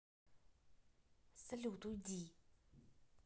салют уйди